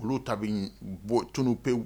Olu ta bɛ bɔ tu pe